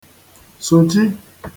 -sụ̀chi